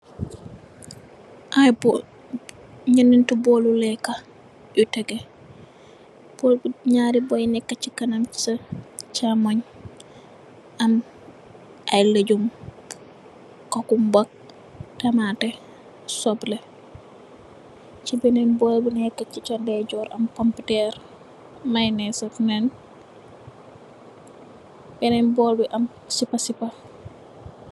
Ay bool, ñenenti booli leeka, ñu ngi teggee. Ñaari bool nekkë si sa, chamooy, am ay lëjjum, kakumba, tamaate, sople. Ci bénen boor bu nekkë ci sa ndeyjoor, mu ngi am poomputeer, mayenees ak nen. Benen bool bi am sipa sipa.